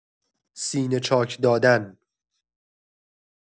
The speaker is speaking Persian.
سینه‌چاک دادن